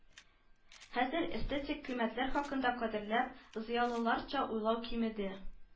Хәзер эстетик кыйммәтләр хакында кадерләп, зыялыларча уйлау кимеде